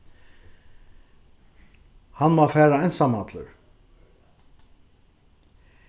hann má fara einsamallur